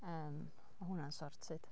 Yym mae hwnna'n sorted.